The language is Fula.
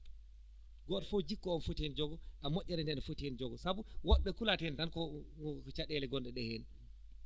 gooto fof jikku o foti heen jogo a moƴƴere nde o foti heen jogo sabu woɓɓe kulata heen tan ko ko caɗeele gonɗe ɗee heen